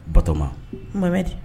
Batoma mamɛ de